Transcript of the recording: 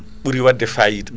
ɓuri wadde fayida